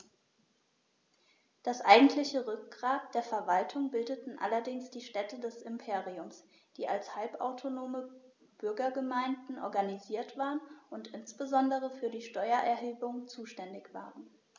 Das eigentliche Rückgrat der Verwaltung bildeten allerdings die Städte des Imperiums, die als halbautonome Bürgergemeinden organisiert waren und insbesondere für die Steuererhebung zuständig waren.